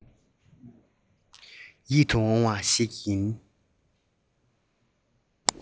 ཡིད དུ འོང བ ཞིག ཡིན